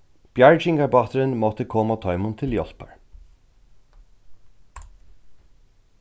bjargingarbáturin mátti koma teimum til hjálpar